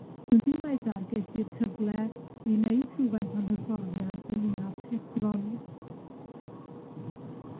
Yn ddiweddar, ges i'r cyfle i neud rhywfaint o'n hyfforddiant yn Ninas Hebron.